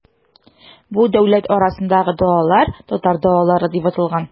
Бу дәүләт арасындагы далалар, татар далалары дип аталган.